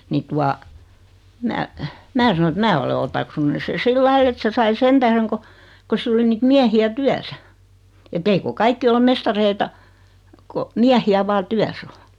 niin tuota minä minä sanoin että minä olen otaksunut sen sillä lailla että se sai sen tähden kun kun sillä oli niitä miehiä työssä että eikö kaikki ole mestareita kun miehiä vain työssä on